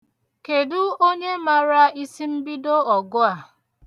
Kedụ onye mara isimbido ọgụ a?